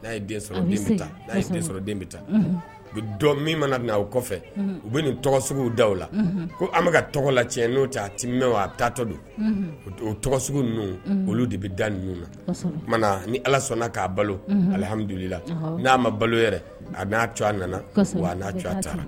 N'a ye den sɔrɔ bɛ ta n'a ye sɔrɔ den bɛ taa dɔn min mana na o kɔfɛ u bɛ tɔgɔsow da la ko an bɛka ka tɔgɔ la cɛ n'o cɛ timɛ a tatɔ don tɔgɔso ninnu olu de bɛ da ninnu na ni ala sɔnna k'a balo alihamidula n'a ma balo yɛrɛ a n'a to a nana' n'a a ta la